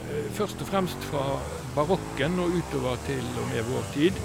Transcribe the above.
Først og fremst fra barokken og utover til og med vår tid.